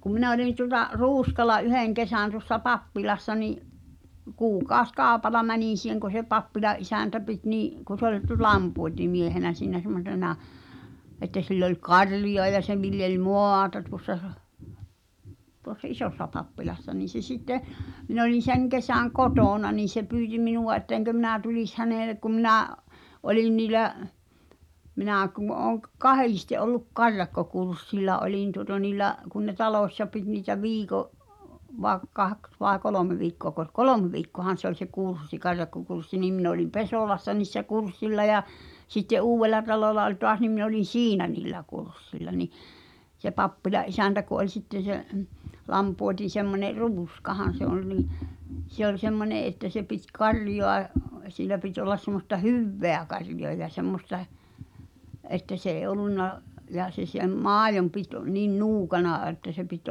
kun minä olin tuolla Ruuskalla yhden kesän tuossa pappilassa niin kuukausikaupalla menin siihen kun se pappila isäntä piti niin kun se oli - lampuotimiehenä siinä semmoisena että sillä oli karjaa ja se viljeli maata tuossa tuossa isossa pappilassa niin se sitten minä olin sen kesän kotona niin se pyysi minua että enkö minä tulisi hänelle kun minä olin niillä minä kun olen - kahdesti ollut karjakkokurssilla olin tuota niillä kun ne talossa piti niitä viikon vai kaksi vai kolme viikkoako kolme viikkoahan se oli se kurssi karjakkokurssi niin minä olin Pesolassa niissä kurssilla ja sitten Uudellatalolla oli taas niin minä olin siinä niillä kurssilla niin se pappilan isäntä kun oli sitten se lampuoti semmoinen Ruuskahan se oli niin se oli semmoinen että se piti karjaa ja sillä piti olla semmoista hyvää karjaa ja semmoista että se ei ollut ja se sen maidon piti niin nuukana että se piti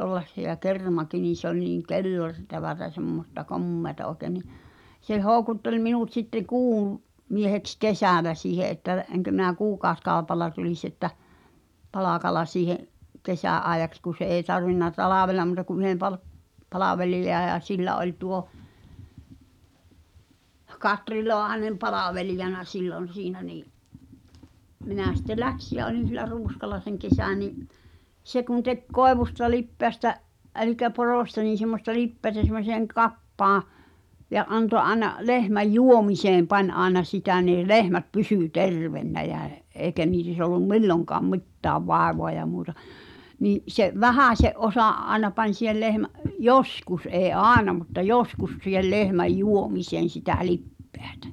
olla se ja kermakin niin se oli niin - kellertävää semmoista komeaa oikein niin se houkutteli minut sitten - kuumieheksi kesällä siihen että enkö minä kuukausikaupalla tulisi että palkalla siihen kesän ajaksi kun se ei tarvinnut talvella muuta kuin yhden - palvelijan ja sillä oli tuo Katri Laahanen palvelijana silloin siinä niin minä sitten lähdin ja olin sillä Ruuskalla sen kesän niin se kun teki koivusta lipeästä eli porosta niin semmoista lipeää semmoiseen kappaan ja antoi aina lehmän juomiseen panna aina sitä niin lehmät pysyi terveenä ja eikä niissä ollut milloinkaan mitään vaivaa ja muuta niin se vähäisen osa aina pani siihen lehmän joskus ei aina mutta joskus siihen lehmän juomiseen sitä lipeätä